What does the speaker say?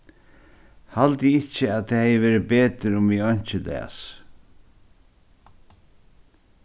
haldi ikki at tað hevði verið betur um eg einki las